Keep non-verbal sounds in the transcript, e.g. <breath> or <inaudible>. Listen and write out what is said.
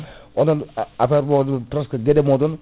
<breath> onoon affaire moɗon presque gueɗe moɗon